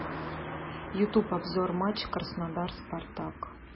ютуб обзор матча краснодар спартак